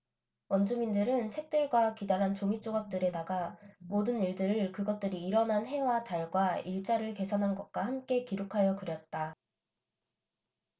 원주민들은 책들과 기다란 종잇조각들에다가 모든 일들을 그것들이 일어난 해와 달과 일자를 계산한 것과 함께 기록하여 그렸다